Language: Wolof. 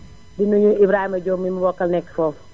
di nuyu Ibrahima Diop mi mu bokkal nekk foofu